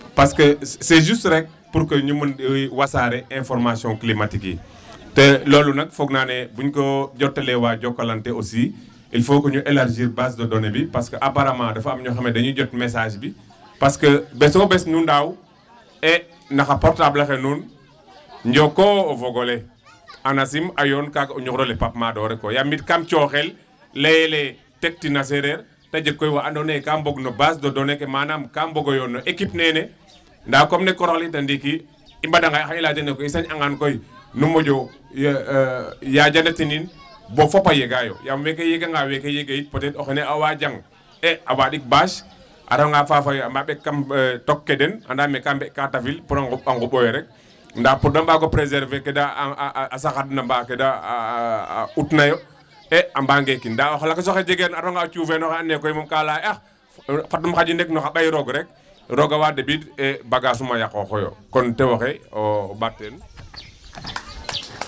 parce que c' est juste rek pour que ñu mën wasaare information climatique yi te loolu nag foog naa ne bu ñu ko jottalee waa Jokalante aussi il faut que ñu élargir base de données bi parce que apparemment dafa am ñoo xam ne dañuy jot message bi parce que bésoo bés nu